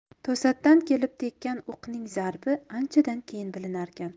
to'satdan kelib tekkan o'qning zarbi anchadan keyin bilinarkan